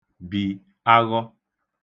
bì aghọ